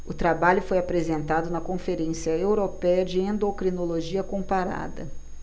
o trabalho foi apresentado na conferência européia de endocrinologia comparada